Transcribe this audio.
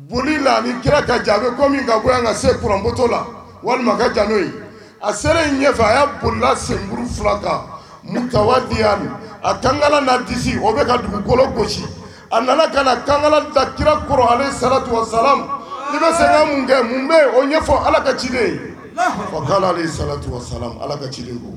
Boli kira ka jan min seto la n'o a sera ɲɛfɛ a boli senmuru mu waati a kangasi o bɛ dugukolo gosi a nana ka kira kɔrɔ ale sarawa sa mun kɛ bɛ o ɲɛfɔ ala ka ciden ye ale sa ala ci